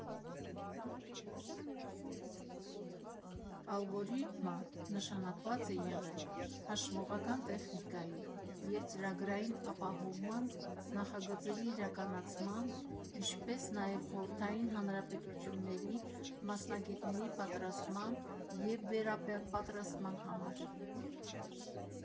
«Ալգորիթմը» նշանակված է եղել Հաշվողական Տեխնիկայի և ծրագրային ապահովման նախագծերի իրականացման, ինչպես նաև խորհրդային հանրապետությունների մասնագետների պատրաստման և վերապատրաստման համար։